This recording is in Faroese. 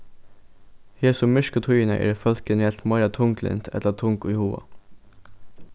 hesa myrku tíðina eru fólk generelt meira tunglynt ella tung í huga